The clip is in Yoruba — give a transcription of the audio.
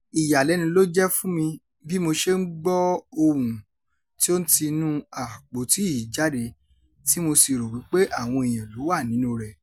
Ìyàlẹ́nu ló jẹ́ fún mi bí mo ṣe ń gbọ́ ohùn tí ó ń ti inúu "àpótí" yìí jáde tí mo sì rò wípé àwọn èèyàn ló wà nínúu rẹ̀.